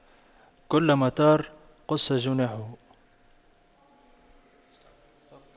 كلما طار قص جناحه